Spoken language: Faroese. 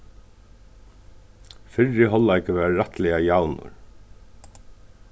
fyrri hálvleikur var rættiliga javnur